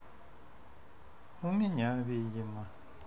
у меня видимо